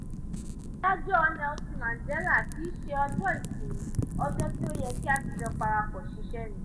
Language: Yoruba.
Àyájọ́ Nelson Mandela kìí ṣe ọjọ́ ìsinmi - ọjọ́ tí ó yẹ kí a fi jọ parapọ̀ ṣiṣẹ́ ni.